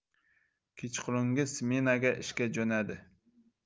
kechqurungi smenaga ishga jo'nadi